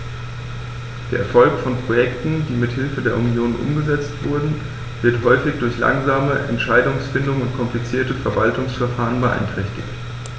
Der Erfolg von Projekten, die mit Hilfe der Union umgesetzt werden, wird häufig durch langsame Entscheidungsfindung und komplizierte Verwaltungsverfahren beeinträchtigt.